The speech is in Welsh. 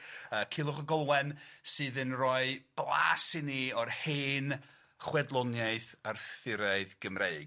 yy Culhwch ag Olwen sydd yn roi blas i ni o'r hen chwedloniaeth Arthuraidd Gymreig.